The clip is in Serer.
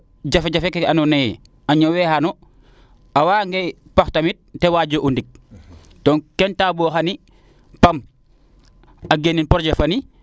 jafe jafe ke ando naye a ñowe xaano a waaga nge paax tamit te waaju o ndik donc keene tax bo xani Pam a geenin projet fani